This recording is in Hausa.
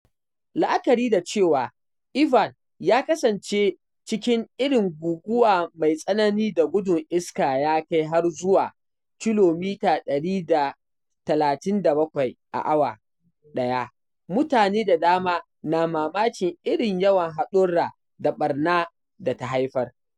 La’akari da cewa Ivan ya kasance cikin irin guguwa mai tsanani da gudun iska ya kai har zuwa 137 km/h, mutane da dama na mamakin irin yawan haɗurra da ɓarna da ta haifar.